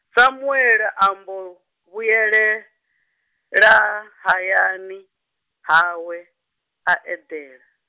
Samuele ambo, vhuyelela hayani, hawe, a eḓela.